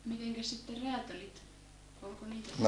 mitenkäs sitten räätälit oliko niitä täällä